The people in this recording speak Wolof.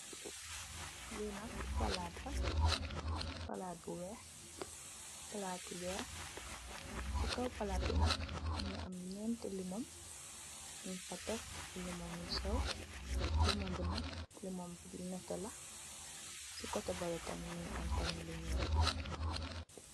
Lee nak palate la palate bu weex palate werr se kaw palate be nak muge am nyente lemung nugfa tek lemung yu seew lemung be nak lemung bu neteh la se koteh bale tam muge am lu nuul.